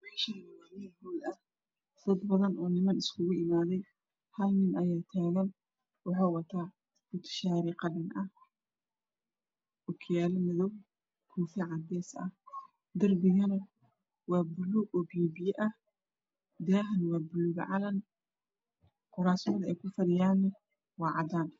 Meshani waa meel hool ah dad badan ayaa jooga ini ayaa umimaaday shar buluga ayuu wata okiyalo madow kofi cadwe ah derbigana waa bulug oo biya biya ah dahana waa buluug calan kurastuna waa cadan